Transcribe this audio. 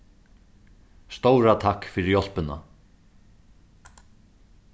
stóra takk fyri hjálpina